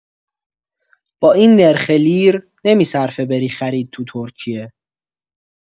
با این نرخ لیر، نمی‌صرفه بری خرید تو ترکیه!